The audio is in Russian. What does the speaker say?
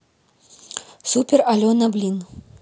супер алена блин